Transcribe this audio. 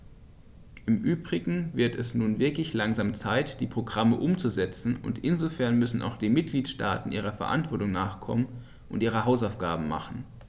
Im übrigen wird es nun wirklich langsam Zeit, die Programme umzusetzen, und insofern müssen auch die Mitgliedstaaten ihrer Verantwortung nachkommen und ihre Hausaufgaben machen.